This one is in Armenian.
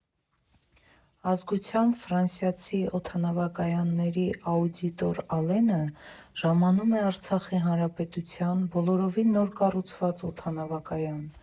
Ազգությամբ ֆրանսիացի օդանավակայանների աուդիտոր Ալենը ժամանում է Արցախի Հանրապետության՝ բոլորովին նոր կառուցված օդանավակայան։